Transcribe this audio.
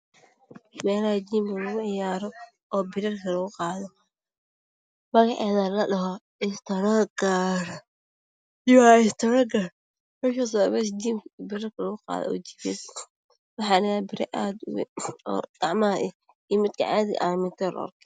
Waa meelaha jiimka oo birarka lugu qaado magaceeda ladhaho istaroogaar, waxaa yaalo birar aad u wayn oo gacmaha lugu qaado.